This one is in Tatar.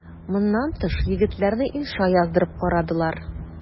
Моннан тыш егетләрне инша яздырып карадылар.